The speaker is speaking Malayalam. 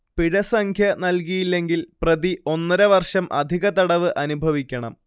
പിഴസംഖ്യ നൽകിയില്ലെങ്കിൽ പ്രതി ഒന്നരവർഷം അധിക തടവ് അനുഭവിക്കണം